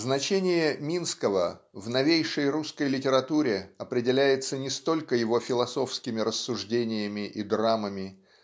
Значение Минского в новейшей русской литературе определяется не столько его философскими рассуждениями и драмами